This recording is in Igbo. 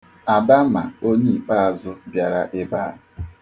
Ada ma onye ikpeazụ batara ebe a.